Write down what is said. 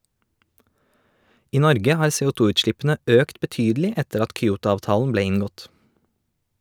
I Norge har CO2-utslippene økt betydelig etter at Kyoto-avtalen ble inngått.